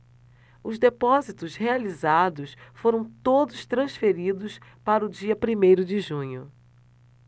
os depósitos realizados foram todos transferidos para o dia primeiro de junho